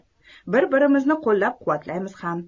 bir birimizni qo'llab quvvatlaymiz ham